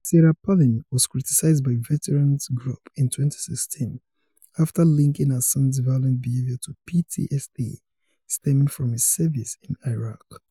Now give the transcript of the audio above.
Sarah Palin was criticized by veterans groups in 2016 after linking her son's violent behavior to PTSD stemming from his service in Iraq.